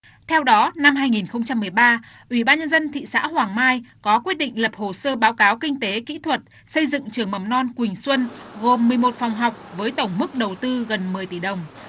theo đó năm hai nghìn không trăm mười ba ủy ban nhân dân thị xã hoàng mai có quyết định lập hồ sơ báo cáo kinh tế kỹ thuật xây dựng trường mầm non quỳnh xuân gồm mười một phòng học với tổng mức đầu tư gần mười tỷ đồng